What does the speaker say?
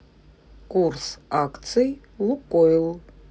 курс акций лукойл